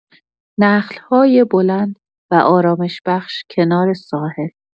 نخل‌های بلند و آرامش‌بخش کنار ساحل